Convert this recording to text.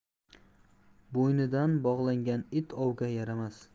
bo'ynidan bog'langan it ovga yaramas